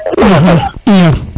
iyo